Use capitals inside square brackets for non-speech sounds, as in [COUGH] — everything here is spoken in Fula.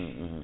[HESITATION] [HESITATION]